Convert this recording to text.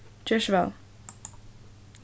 ger so væl